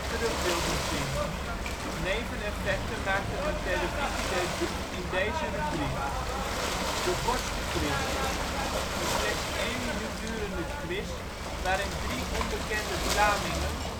terug wilden zien. Neveneffecten maakten hun televisiedebuut in deze rubriek. De kortste quiz: Een slechts één minuut durende quiz waarin drie onbekende Vlamingen